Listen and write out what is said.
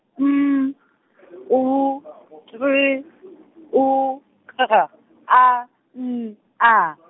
M , U, T, U, K, A, N, A.